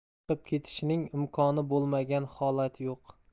chiqib ketishning imkoni bo'lmagan holat yo'q